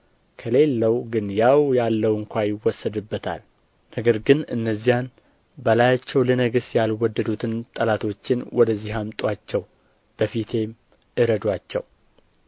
ከሌለው ግን ያው ያለው ስንኳ ይወሰድበታል ነገር ግን እነዚያን በላያቸው ልነግሥ ያልወደዱትን ጠላቶቼን ወደዚህ አምጡአቸው በፊቴም እረዱአቸው